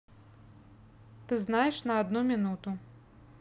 ты знаешь на одну минуту